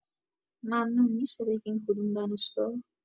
ممنون می‌شه بگین کدوم دانشگاه؟